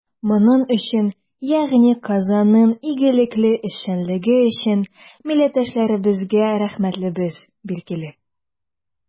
Моның өчен, ягъни Казанның игелекле эшчәнлеге өчен, милләттәшләребезгә рәхмәтлебез, билгеле.